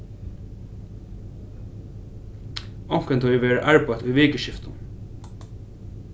onkuntíð verður arbeitt í vikuskiftum